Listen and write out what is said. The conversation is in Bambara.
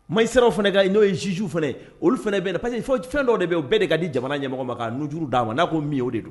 Magistrats fɛnɛ ka ye no ye juges fɛnɛ olu fana bɛɛ na parce que il faut fɛn dɔw de bɛ o bɛɛ de ka di jamana ɲɛmɔgɔ ma ka nun juru d'a m'a, na ko mi o de do.